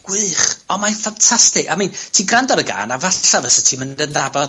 Gwych! On' mae'm ffantasti-, I mean, ti grando ar y gân a ti'm yn